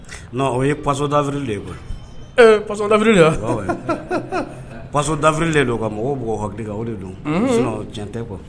O ye pasɔ dafri de ye kuwasadafiri pasa dafiri de don ka mɔgɔw bugɔ ha o de don cɛn tɛ kuwa